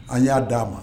An y'a d'a ma